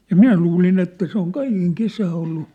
ja minä luulin että se on kaiken kesää ollut